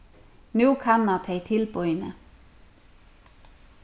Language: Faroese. nú kanna tey tilboðini